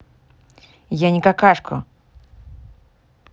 я не какашку